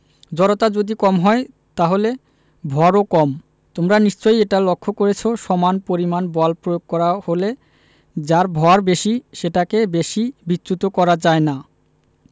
জড়তা যদি কম হয় তাহলে ভরও কম তোমরা নিশ্চয়ই এটা লক্ষ করেছ সমান পরিমাণ বল প্রয়োগ করা হলে যার ভর বেশি সেটাকে বেশি বিচ্যুত করা যায় না